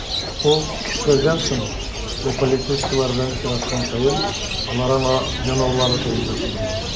Ул, көчләүдән соң, бу полицейскийлар белән очрашкан саен, алар аңа янаулары турында сөйләде.